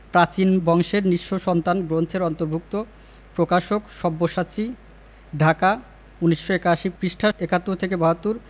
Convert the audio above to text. প্রাচীন বংশের নিঃস্ব সন্তান গ্রন্থের অন্তর্ভুক্ত প্রকাশকঃ সব্যসাচী ঢাকা ১৯৮১ পৃষ্ঠাঃ ৭১ থেকে ৭২